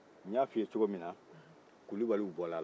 n y'a fɔ i ye cogo min na kulibaliw bɔr'a la